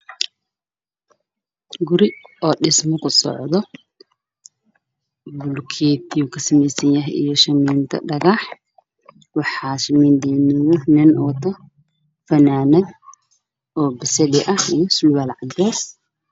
Guri dhismo kusocdo iyo nin